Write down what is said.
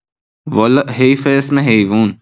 والا حیف اسم حیوون